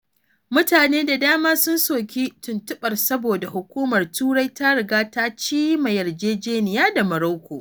Mutane da dama sun soki tuntuɓar saboda Hukumar Turai ta riga ta cima ma yarjejeniya da Morocco.